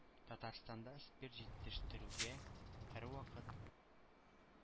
Татарстанда спирт җитештерүгә һәрвакыт